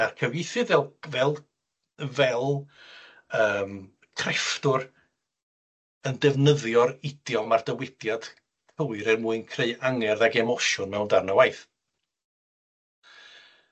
na'r cyfieithydd fel fel fel yym crefftwyr yn defnyddio'r idiom a'r dywediad cywir er mwyn creu angerdd ac emosiwn mewn darn o waith.